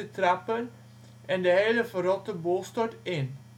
trappen en de hele verrotte boel stort in